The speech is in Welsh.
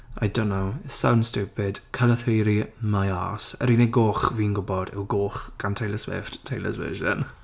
I don't know. It sounds stupid. Colour theory my arse. Yr unig goch fi'n gwybod yw goch gan Taylor Swift, Taylor's version.